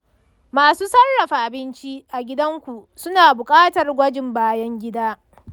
masu sarrafa abinci a gidanku suna buƙatar gwajin bayan gida